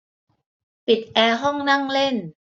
ปิดแอร์ห้องนั่งเล่น